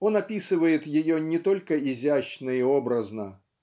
Он описывает ее не только изящно и образно